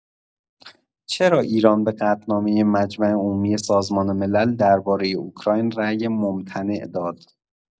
چرا ایران به قطعنامه مجمع عمومی سازمان ملل درباره اوکراین رای ممتنع داد؟